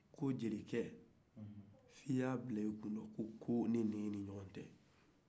ko jelikɛ i k'a bila i kun na ko ko be ne ni e ni ɲɔgɔcɛ